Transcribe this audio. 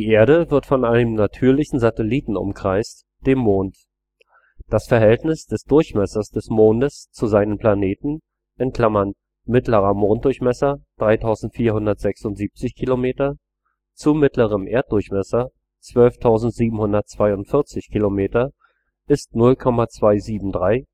Erde wird von einem natürlichen Satelliten umkreist – dem Mond. Das Verhältnis des Durchmessers des Mondes zu seinem Planeten (mittlerer Monddurchmesser (3476 km) zu mittlerem Erddurchmesser (12.742 km) ist 0,273